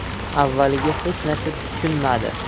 avvaliga hech narsa tushunmadi